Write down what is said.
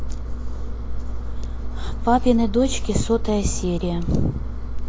папины дочки сотая серия